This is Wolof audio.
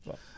waaw